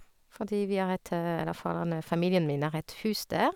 Fordi vi har et eller foreldrene familien min har et hus der.